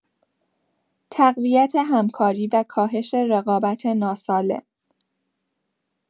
تقویت همکاری و کاهش رقابت ناسالم